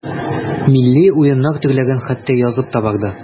Милли уеннар төрләрен хәтта язып та барды.